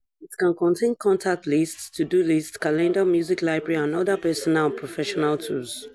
It can contain contact lists, to-do lists, calendar, music library and other personal and professional tools.